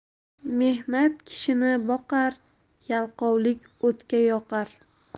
mehnat kishini boqar yalqovlik o'tga yoqar